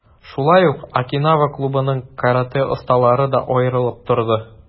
Шулай ук, "Окинава" клубының каратэ осталары да аерылып торды.